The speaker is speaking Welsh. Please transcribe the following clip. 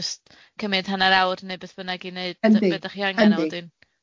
jyst cymyd hanner awr neu beth bynnag i neud... Yndi yndi.. be' dach chi angan a wedyn